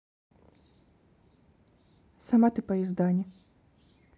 сама ты поездане